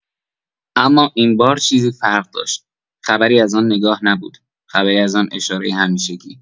اما این‌بار چیزی فرق داشت، خبری از آن نگاه نبود، خبری از آن اشارۀ همیشگی.